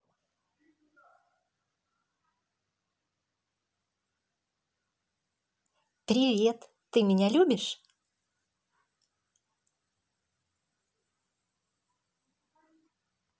привет ты меня любишь